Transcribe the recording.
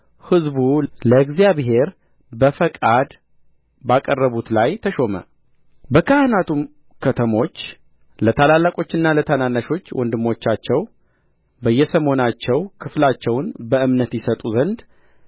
ሕዝቡ ለእግዚአብሔር በፈቃድ ባቀረቡት ላይ ተሾመ በካህናቱም ከተሞች ለታላላቆችና ለታናናሾች ወንድሞቻቸው በየሰሞናቸው ክፍላቸውን በእምነት ይሰጡ ዘንድ